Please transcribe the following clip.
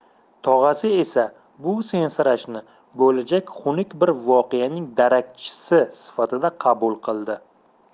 tog'asi esa bu sensirashni bo'lajak xunuk bir voqeaning darakchisi sifatida qabul qildi